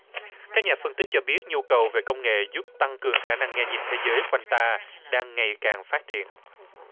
các nhà phân tích cho biết nhu cầu về công nghệ giúp tăng cường khả năng nghe nhìn thế giới quanh ta đang ngày càng phát triển